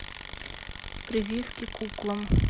прививки куклам